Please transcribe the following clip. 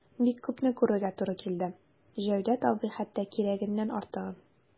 Бик күпне күрергә туры килде, Җәүдәт абый, хәтта кирәгеннән артыгын...